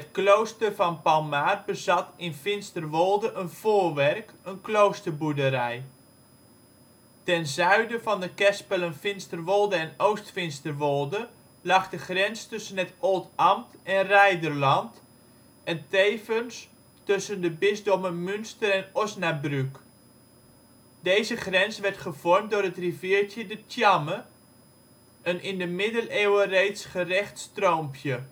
klooster van Palmaer bezat in Finsterwolde een voorwerk (kloosterboerderij). Ten zuiden van de kerspelen Finsterwolde en Oost-Finsterwolde lag de grens tussen het Oldambt en Reiderland en tevens tussen de bisdommen Münster en Osnabrück. Deze grens werd gevormd door het riviertje de Tjamme, een in de middeleeuwen reeds gerecht stroompje